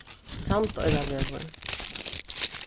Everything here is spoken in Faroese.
sandoyravegur